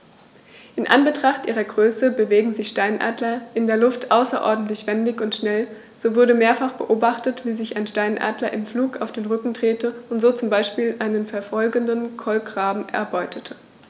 In Anbetracht ihrer Größe bewegen sich Steinadler in der Luft außerordentlich wendig und schnell, so wurde mehrfach beobachtet, wie sich ein Steinadler im Flug auf den Rücken drehte und so zum Beispiel einen verfolgenden Kolkraben erbeutete.